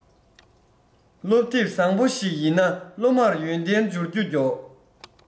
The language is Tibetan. སློབ དེབ བཟང བོ ཞིག ཡིན ན སློབ མར ཡོན ཏན འབྱོར རྒྱུ མགྱོགས